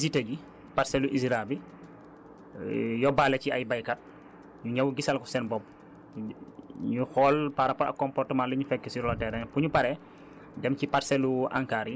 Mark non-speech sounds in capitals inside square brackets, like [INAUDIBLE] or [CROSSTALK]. donc buñ ñëwee d' abord :fa dañuy dem visiter ji parcelle lu ISRA bi [HESITATION] yóbbaale ci ay baykat ñu ñëw gisal ko seen bopp [HESITATION] ñu xool par rapport ak comportement liñ fekk sur le terrain